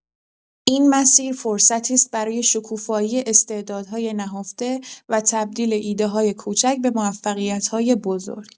این مسیر فرصتی است برای شکوفایی استعدادهای نهفته و تبدیل ایده‌های کوچک به موفقیت‌های بزرگ.